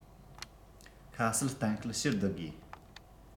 ཁ གསལ གཏན འཁེལ ཕྱིར བསྡུ དགོས